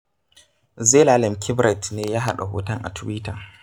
Zelalem Kiberet ne ya yaɗa hoton a Tuwita.